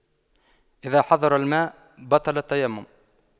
إذا حضر الماء بطل التيمم